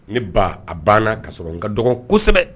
Ne ba a banna ka sɔrɔ n ka dɔgɔn kosɛbɛ